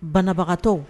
Banabagagantɔ